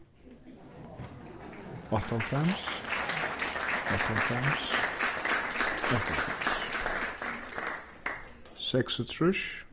áttaoghálvfems áttaoghálvfems áttaoghálvfems seksogtrýss